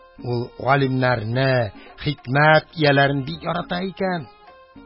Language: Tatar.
Ул галимнәрне, хикмәт ияләрен бик ярата икән.